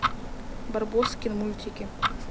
барбоскин мультики